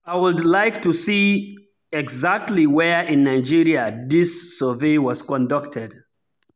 I'd like to see exactly WHERE in Nigeria this survey was conducted.